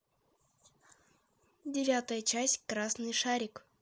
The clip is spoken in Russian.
девятая часть красный шарик